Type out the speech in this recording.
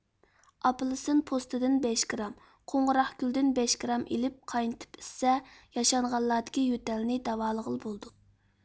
ئاپېلسىن پوستىدىن بەش گرام قوڭغۇراقگۈلدىن بەش گرام ئېلىپ قاينىتىپ ئىچسە ياشانغانلاردىكى يۆتەلنى داۋالىغىلى بولىدۇ